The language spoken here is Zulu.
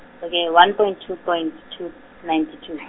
okay one point two point two, ninety two .